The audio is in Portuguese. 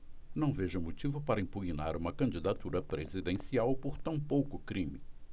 não vejo motivo para impugnar uma candidatura presidencial por tão pouco crime